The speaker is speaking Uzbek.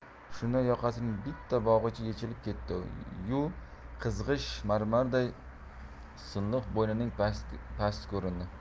shunda yoqasining bitta bog'ichi yechilib ketdi yu qizg'ish marmarday silliq bo'ynining pasti ko'rindi